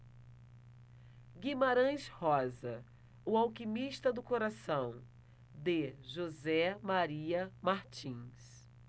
guimarães rosa o alquimista do coração de josé maria martins